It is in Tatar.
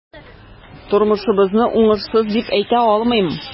Тормышыбызны уңышсыз дип әйтә алмыйм.